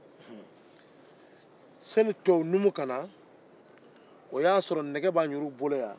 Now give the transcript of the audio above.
yanni tubabunumu ka na o y'a sɔrɔ nɛgɛ bɛ an yɛrɛw bolo yan